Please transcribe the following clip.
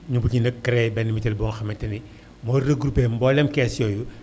ñu mujj nag crée benn mutuelle ba nga xamante ni moo regroupé mboolem kees yooyu